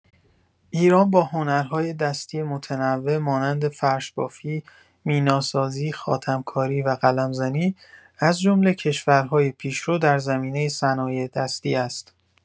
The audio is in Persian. ایران با هنرهای دستی متنوع مانند فرش‌بافی، میناسازی، خاتم‌کاری و قلم‌زنی، از جمله کشورهای پیشرو در زمینه صنایع‌دستی است.